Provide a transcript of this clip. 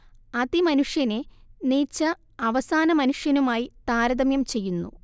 അതിമനുഷ്യനെ Nietzsche അവസാനമനുഷ്യനുമായി താരതമ്യം ചെയ്യുന്നു